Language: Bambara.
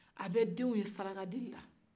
a bɛɛ denw ye saraka delila